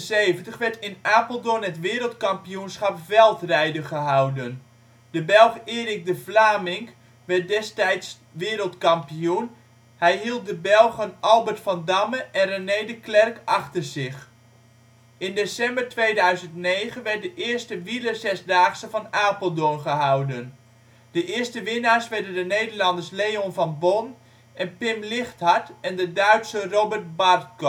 1971 werd in Apeldoorn het Wereldkampioenschap veldrijden gehouden. De Belg Eric De Vlaeminck werd destijds wereldkampioen, hij hield de Belgen Albert Van Damme en René De Clercq achter zich. In december 2009 werd de eerste wielerzesdaagse van Apeldoorn gehouden. De eerste winnaars werden de Nederlanders Leon van Bon en Pim Ligthart en de Duitser Robert Bartko